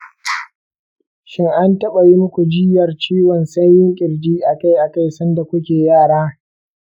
shin an taɓa yi muku jiyyar ciwon sanyin ƙirji akai-akai sanda kuke yara?